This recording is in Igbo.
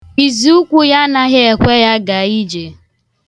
Iziụkwụ ya anaghị ekwe ya gaa ije.